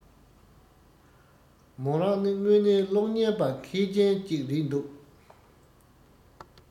མོ རང ནི སྔོན ནས གློག སྙན པ མཁས ཅན ཅིག རེད འདུག